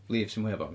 Leave sy mwya bonks.